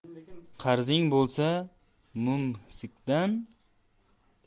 qarzing bo'lsa mumsikdan